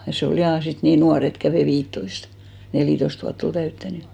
ja se oli ja sitten niin nuori että kävi viittätoista neljätoista vuotta oli täyttänyt